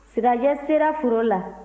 sirajɛ sera foro la